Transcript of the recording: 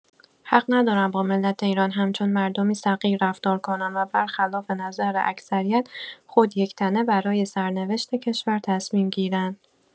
حق ندارند با ملت ایران همچون مردمی صغیر رفتار کنند و برخلاف نظر اکثریت، خود یک‌تنه برای سرنوشت کشور تصمیم گیرند.